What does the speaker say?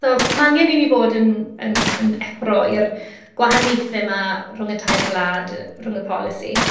So ma' angen i ni fod yn yn yn effro i'r gwahaniaethau 'ma rhwng y tair gwlad, rhwng y polisi.